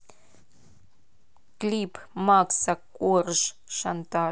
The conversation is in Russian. клип макса корж шантаж